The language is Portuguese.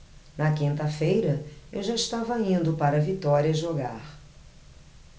na quinta-feira eu já estava indo para vitória jogar